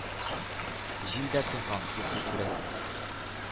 Җил дә тынган, йоклый, күрәсең.